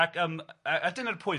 Ac yym a a dyna'r pwynt.